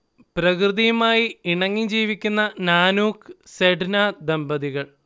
പ്രകൃതിയുമായി ഇണങ്ങി ജീവിക്കുന്ന നാനൂക്ക്, സെഡ്ന ദമ്പതികൾ